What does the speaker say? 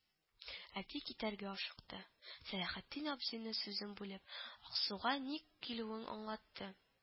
Әти китәргә ашыкты, Сәләхетдин абзыйны сүзен бүлеп, Аксуга ник килүен аңлатты